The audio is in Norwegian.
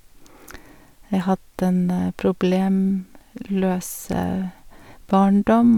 Jeg hadde en problemløs barndom.